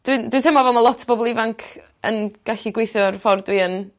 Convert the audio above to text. Dwi'n dwi teimlo fel ma' lot o bobol ifanc yn gallu gweithio'r ffor dwi yn